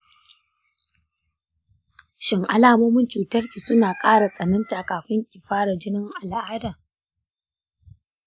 shin alamomin cutar ki suna ƙara tsananta kafin ki fara jinin al'ada?